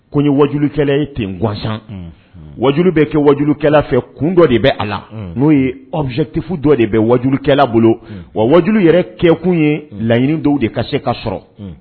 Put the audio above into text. Ko ye wajukɛla ten gansan waju bɛ kɛ wajukɛla fɛ kun dɔ de bɛ a la n'o ye awtifu dɔ de bɛ wajukɛla bolo wa waju yɛrɛ kɛkun ye laɲini dɔw de ka se ka sɔrɔ